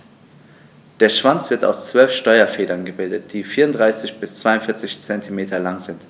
Der Schwanz wird aus 12 Steuerfedern gebildet, die 34 bis 42 cm lang sind.